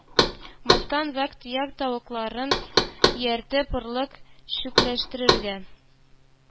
Мастан, вак-төяк тавыкларын ияртеп, орлык чүпләштерергә